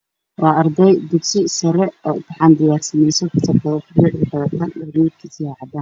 Halkaan waxaa ka muuqdo arday wax qoranayso midabka dharka ay wataan waa shaati cadaan iyo surwaal cadays ah miiskana waa guduud